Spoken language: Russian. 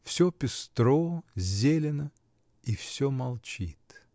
Всё пестро, зелено, и всё молчит.